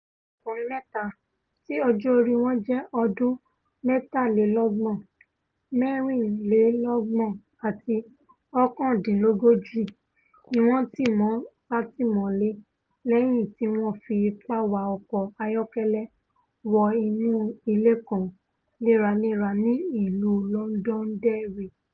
Àwọn ọkùnrin mẹ́ta, tí ọjọ́-orí wọn jẹ́ ọdún mẹ́tàlélọ́gbọ̀n, mẹ́rìnlélọ́gbọ̀n àti ọ̀kàndínlógójì ni wọn ti mú sátìmọ́lé lẹ́yìn tí wọ́n fi ipá wa ọkọ̀ ayọ́kẹ́lẹ́ wọ inú ilé kan léra-léra ní ìlú Lọndọndẹri.